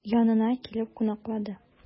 Янына килеп кунаклады.